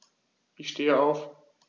Ich stehe auf.